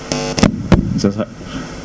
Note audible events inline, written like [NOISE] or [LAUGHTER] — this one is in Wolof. [NOISE] c' est ça